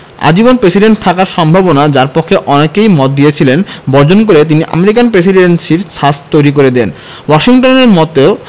আজীবন প্রেসিডেন্ট থাকার সম্ভাবনা যার পক্ষে অনেকেই মত দিয়েছিলেন বর্জন করে তিনি আমেরিকান প্রেসিডেন্সির ছাঁচ তৈরি করে দেন ওয়াশিংটনের মতো